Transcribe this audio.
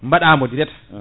mbaɗamo direct